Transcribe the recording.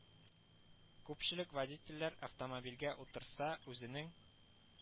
Күпчелек водительләр, автомобильгә утырса, үзенең